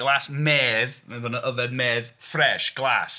Glas medd, oedd y medd fresh glas.